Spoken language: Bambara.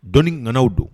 Dɔɔninganakaw don